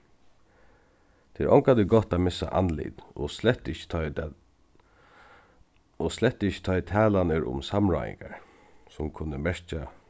tað er ongantíð gott at missa andlit og slett ikki tá ið tað og slett ikki tá ið talan er um samráðingar sum kunnu merkja